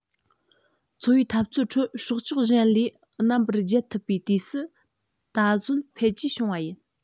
འཚོ བའི འཐབ རྩོད ཁྲོད སྲོག ཆགས གཞན ལས རྣམ པར རྒྱལ ཐུབ པའི དུས སུ གཟོད འཕེལ རྒྱས བྱུང བ ཡིན